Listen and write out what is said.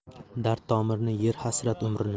dard tomirni yer hasrat umrni